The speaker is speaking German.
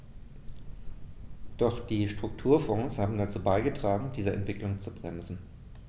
Doch die Strukturfonds haben dazu beigetragen, diese Entwicklung zu bremsen.